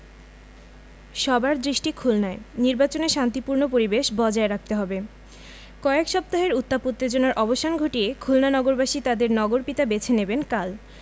সবার দৃষ্টি খুলনায় নির্বাচনে শান্তিপূর্ণ পরিবেশ বজায় রাখতে হবে কয়েক সপ্তাহের উত্তাপ উত্তেজনার অবসান ঘটিয়ে খুলনা নগরবাসী তাঁদের নগরপিতা বেছে নেবেন কাল